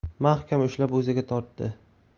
mahkam ushlab o'ziga tortdi